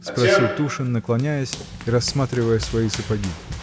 — спросил Тушин, наклоняясь и рассматривая свои сапоги.